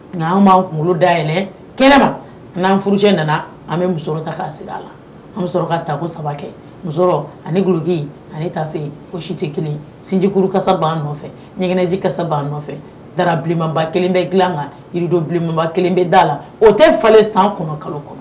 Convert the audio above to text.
Nka an b'an kunkolo da yɛlɛ kɛnɛ na n'an furujɛ nana an bɛ muso ta' a la an ka taa saba muso aniloki ani tafe o si tɛ kelen sinjikuru nɔfɛ ɲgɛnɛnɛji ka nɔfɛ daramanba kelen bɛ dila kan yiridoba kelen bɛ' la o tɛ falenle san kɔnɔ kalo kɔnɔ